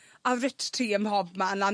a odd rich tea ymhobman a...